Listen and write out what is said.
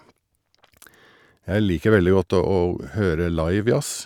Jeg liker veldig godt å å høre live jazz.